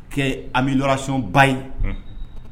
Kɛ an bɛyɔrɔrasononba ye